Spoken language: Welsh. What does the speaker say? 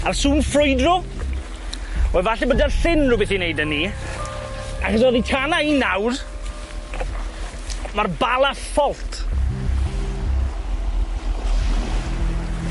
A'r sŵn ffrwydro, wel falle bod 'da'r llyn rwbeth i wneud â 'ny achos oddi tana i nawr, ma'r Bala Fault.